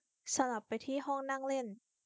สลับไปที่ห้องนั่งเล่น